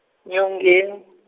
nyongeni.